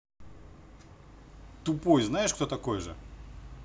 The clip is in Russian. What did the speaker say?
тупой знаешь кто такой же